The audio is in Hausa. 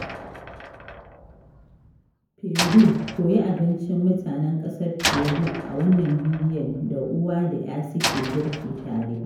Peru - koyi abincin mutanen ƙasar Peru a wannan bidiyon da uwa da 'ya suke girki tare.